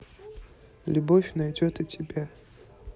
любовь найдет и тебя